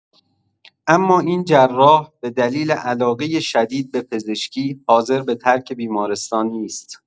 اما این جراح به دلیل علاقۀ شدید به پزشکی حاضر به ترک بیمارستان نیست.